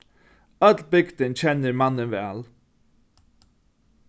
øll bygdin kennir mannin væl